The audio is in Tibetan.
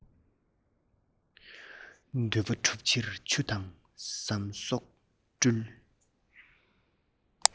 འདོད པ སྒྲུབ ཕྱིར ཆུ དང ཟམ སོགས སྤྲུལ